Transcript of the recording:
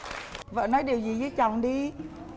vợ nói đìu gì dới chồng đi